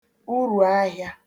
urù ahịa